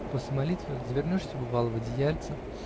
После молитвы завернешься, бывало, в одеяльце